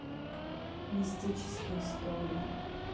мистические истории